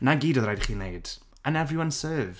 'na gyd oedd raid i chi wneud and everyone served.